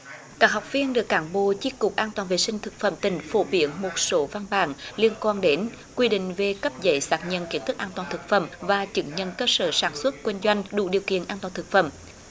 các học viên được cán bộ chi cục an toàn vệ sinh thực phẩm tỉnh phổ biến một số văn bản liên quan đến quy định về cấp giấy xác nhận kiến thức an toàn thực phẩm và chứng nhận cơ sở sản xuất kinh doanh đủ điều kiện an toàn thực phẩm